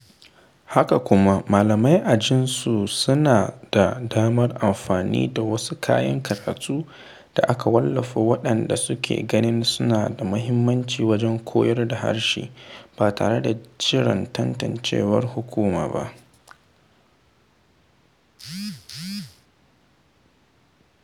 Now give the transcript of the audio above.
Haka kuma, malamai a ajinsu suna da damar amfani da duk wasu kayan karatu da aka wallafa waɗanda suke ganin suna da muhimmanci wajen koyar da harshe, ba tare da jiran tantancewar hukuma ba.